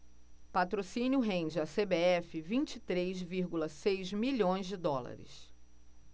patrocínio rende à cbf vinte e três vírgula seis milhões de dólares